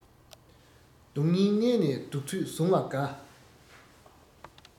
སྡུག སྙིང མནན ནས སྡུག ཚོད བཟུང བ དགའ